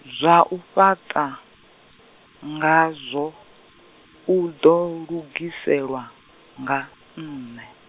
zwau fhaṱa, nga zwo, u ḓo lugiselwa, nga nṋe.